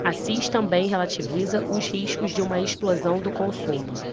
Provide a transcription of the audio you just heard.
assis também relativiza os riscos de uma explosão do consumo